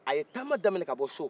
a ye taama daminɛ ka bɔ so